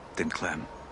Dim clem.